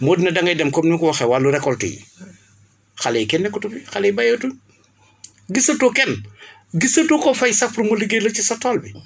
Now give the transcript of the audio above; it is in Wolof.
moo di ne dangay dem comme ni mu ko waxee wàllu récolte yi xale yi kenn nekkatul fi xale yi béyatuén gisatoo kenn gisatoo koo fay sax pour mu liggéeyal ci sa tool bi